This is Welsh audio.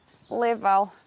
lefal